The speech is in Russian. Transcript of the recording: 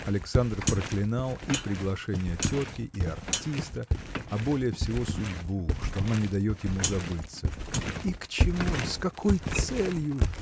Александр проклинал и приглашение тетки и артиста а более всего судьбу что она не дает ему забыться. И к чему? с какой целью?